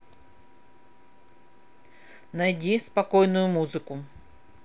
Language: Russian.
найди спокойную музыку